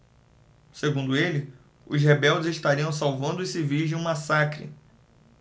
segundo ele os rebeldes estariam salvando os civis de um massacre